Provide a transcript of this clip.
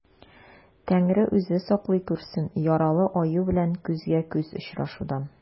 Тәңре үзе саклый күрсен яралы аю белән күзгә-күз очрашудан.